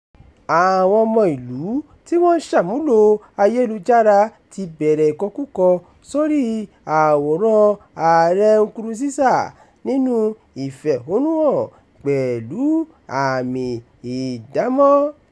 Àwọn ọmọ ìlú tí wọ́n ń ṣàmúlò ayélujára ti bẹ̀rẹ̀ ìkọkúkọ sórí àwòrán ààrẹ Nkurunziza nínú ìfẹ̀hónúhàn pẹ̀lú àmì ìdámọ̀